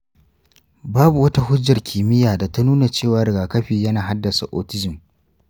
babu wata hujjar kimiyya da ta nuna cewa rigakafi yana haddasa autism.